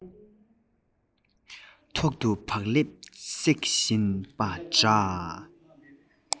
ཐོག ཏུ བག ལེབ སྲེག བཞིན པ འདྲ